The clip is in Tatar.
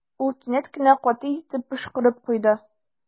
Ул кинәт кенә каты итеп пошкырып куйды.